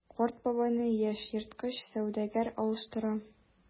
Карт байны яшь ерткыч сәүдәгәр алыштыра.